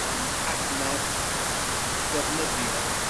yym adnodd defnyddiol